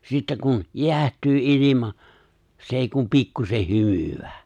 sitten kun jäähtyy ilma se ei kuin pikkuisen hymyää